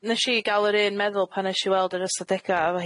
Nesh i ga'l yr un meddwl pan nesh i weld yr ystadega' efo